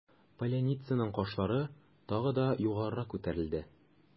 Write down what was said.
Поляницаның кашлары тагы да югарырак күтәрелде.